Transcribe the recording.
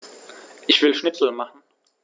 Ich will Schnitzel machen.